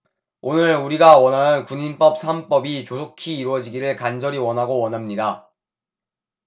오늘 우리가 원하는 군인법 삼 법이 조속히 이뤄지기를 간절히 원하고 원합니다